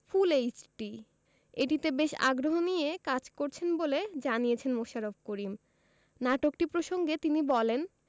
ফুল HD এটিতে বেশ আগ্রহ নিয়ে কাজ করছেন বলে জানিয়েছেন মোশাররফ করিম নাটকটি প্রসঙ্গে তিনি বলেন